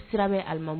Siramɛ alima